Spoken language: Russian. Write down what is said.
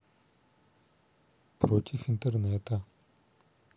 против интернета